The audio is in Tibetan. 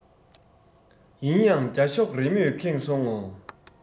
ཡིན ཡང རྒྱ ཤོག རི མོས ཁེངས སོང ངོ